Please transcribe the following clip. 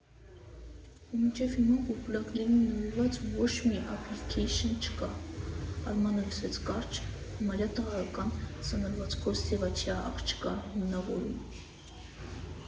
Ու մինչև հիմա պուլպուլակներին նվիրված ոչ մի ափլիքեյշն չկա՜, ֊ Արմանը լսեց կարճ, համարյա տղայական սանրվածքով սևաչյա աղջկա հիմնավորում։